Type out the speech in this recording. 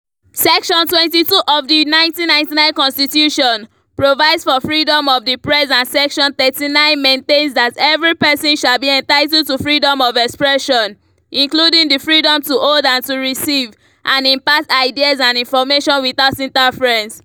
Section 22 of the 1999 Constitution provides for freedom of the press and Section 39 maintains that "every person shall be entitled to freedom of expression, including the freedom to hold and to receive and impart ideas and information without interference..."